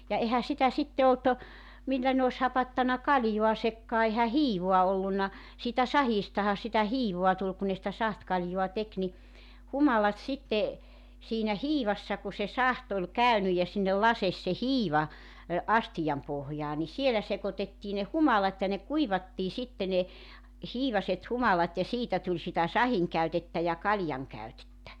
ja eihän sitä sitten ollut millä ne olisi hapattanut kaljaansakaan eihän hiivaa ollut siitä sahdistahan sitä hiivaa tuli kun ne sitä sahtikaljaa teki niin humalat sitten siinä hiivassa kun se sahti oli käynyt ja sinne laski se hiiva astian pohjaan niin siellä sekoitettiin ne humalat ja ne kuivattiin sitten ne hiivaiset humalat ja siitä tuli sitä sahdinkäytettä ja kaljankäytettä